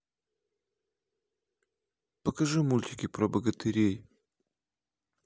покажи мультики про богатырей